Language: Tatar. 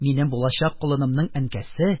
Минем булачак колынымның әнкәсе,